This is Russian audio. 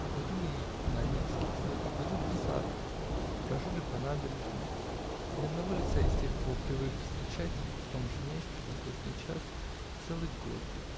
Пойду ли на Невский, пойду ли в сад, брожу ли по набережной -- ни одного лица из тех, кого привык встречать в том же месте, в известный час целый год.